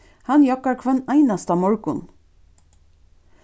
hann joggar hvønn einasta morgun